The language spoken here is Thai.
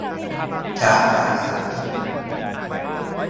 ชาร์จไฟสามชั่วโมง